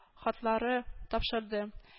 Хатлары тапшырды